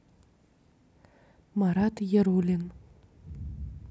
марат ярулин